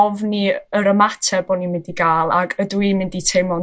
ofni yr ymateb o'n i yn mynd i ga'l, ag ydw i'n mynd i teimlo'n